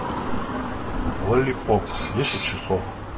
лолипоп десять часов